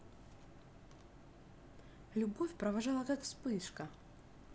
любовь провожала как вспышка